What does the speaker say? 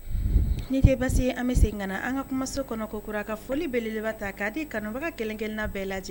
Ni de basi se an bɛ se g an ka kumasi kɔnɔ kokura a ka foli bele ta k' aa di kanubaga kelenkelen bɛɛ lajɛ